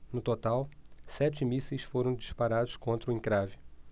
no total sete mísseis foram disparados contra o encrave